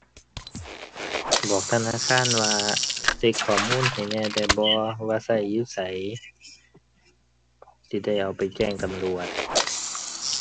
บอกธนาคารว่า เช็กข้อมูลให้แหน่ได้บ่ ว่าใช้อยู่ไส สิได้เอาไปแจ้งตำรวจ